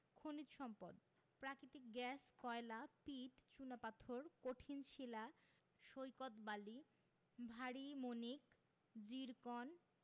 খনিজ সম্পদঃ প্রাকৃতিক গ্যাস কয়লা পিট চুনাপাথর কঠিন শিলা সৈকত বালি ভারি মণিক জিরকন